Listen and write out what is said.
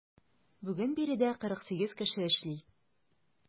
Бүген биредә 48 кеше эшли.